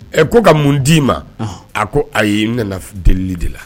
Ɛ ko ka mun d'i ma a ko ayi n nana delili de la